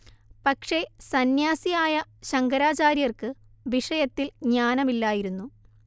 പക്ഷേ സന്ന്യാസിയായ ശങ്കരാചാര്യർക്ക് വിഷയത്തിൽ ജ്ഞാനമില്ലായിരുന്നു